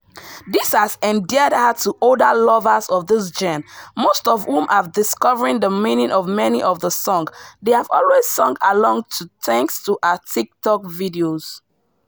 This has endeared her to older lovers of the genre, most of whom have been discovering the meaning of many of the songs they have always sung along to thanks to her TikTok videos.